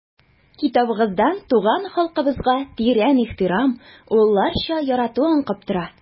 Китабыгыздан туган халкыбызга тирән ихтирам, улларча ярату аңкып тора.